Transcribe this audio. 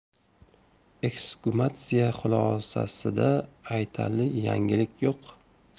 eksgumatsiya xulosasida aytarli yangilik yo'q